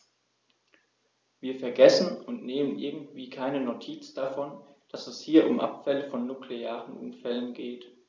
Wir vergessen, und nehmen irgendwie keine Notiz davon, dass es hier um Abfälle von nuklearen Unfällen geht.